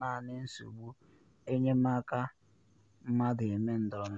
“Ha ji ihe kwesịrị ịbụ naanị nsogbu enyemaka mmadụ eme ndọrọndọrọ.”